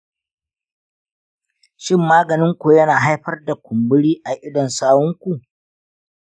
shin, maganin ku yana haifar da kumburi a idon sawun ku?